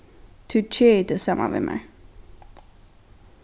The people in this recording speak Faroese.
tú keðir teg saman við mær